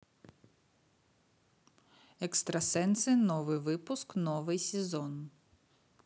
экстрасенсы новый выпуск новый сезон